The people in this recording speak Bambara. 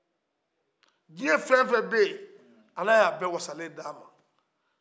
dunuya fɛn o fɛn bɛ ye ala y'a bɛɛ wasalen d'a ma